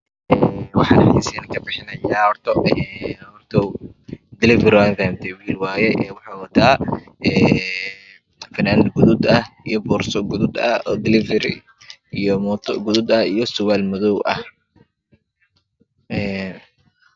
Dalifiri wayee wuxu wataa funaanad guud ah iyo boorso guduud ah dilifiri iyo mooto gaduud ah iyo surwal madow ah